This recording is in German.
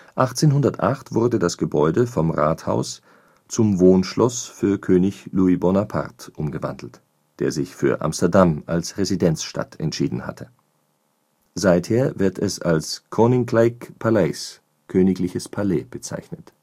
1808 wurde das Gebäude vom Rathaus zum Wohnschloss für König Louis Bonaparte umgewandelt, der sich für Amsterdam als Residenzstadt entschieden hatte. Seither wird es als Koninklijk Paleis („ Königliches Palais “) bezeichnet